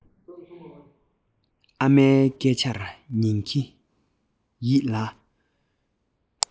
ཨ མའི སྐད ཆར ཉན གྱིན ཡིད ལ